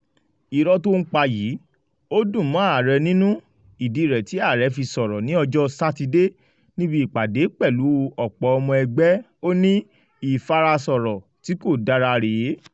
Irọ́ tó ń pa yìí ‘ò dùn mọ́ ààrẹ nínú. Ìdí rẹ̀ẹ́ ti ààrẹ fi sọ̀rọ̀ ní ọjọ́ Sátidé níbi ìpàdé pẹ̀lú ọ̀pọ̀ ọmọ ẹgbẹ́. Ó ní: “Ìfarasọ̀rọ̀ tí kò dára rèé